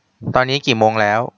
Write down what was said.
ตอนนี้กี่โมงแล้ว